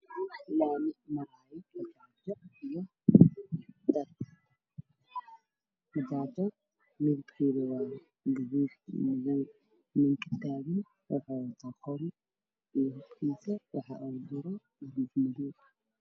Meeshaan waalami waxaa maraya bajaajyo kaleerkooda yihiin guduud waxaa taagan nin qori wato oo askari